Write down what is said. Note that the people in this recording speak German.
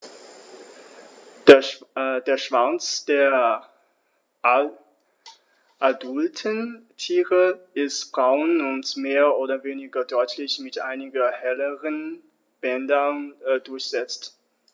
Der Schwanz der adulten Tiere ist braun und mehr oder weniger deutlich mit einigen helleren Bändern durchsetzt.